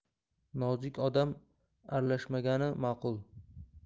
nozik odam aralashmagani maqul